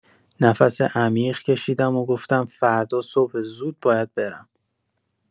نفس عمیق کشیدم و گفتم فردا صبح زود باید برم.